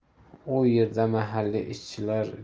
u yerda mahalliy ishchilar